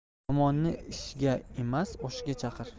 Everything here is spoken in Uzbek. yomonni ishga emas oshga chaqir